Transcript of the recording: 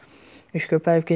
ish ko'payib ketdi